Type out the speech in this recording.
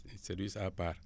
service à part